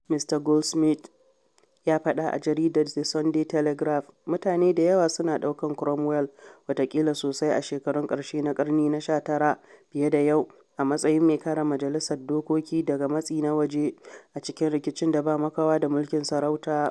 Mista Goldsmith ya faɗa a jaridar The Sunday Telegraph: “Mutane da yawa suna ɗaukan Cromwell, watakila sosai a shekarun karshe na karni na 19 fiye da yau, a matsayin mai kare majalisar dokoki daga matsi na waje, a cikin rikicin ba makawa da mulkin sarauta.